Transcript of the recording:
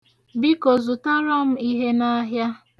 Biko zụtara m ihe n'ahịa.